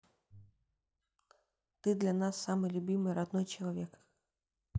ты для нас самый любимый родной человек